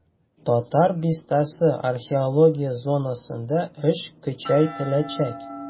"татар бистәсе" археология зонасында эш көчәйтеләчәк.